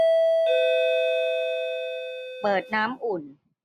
เปิดน้ำอุ่น